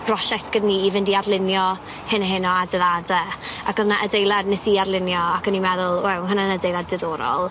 brosiect gyda ni i fynd i arlunio hyn a hyn o adeilade ac o'dd yna adeilad nes i arlunio ac o'n i'n meddwl wel hwnna'n adeilad diddorol.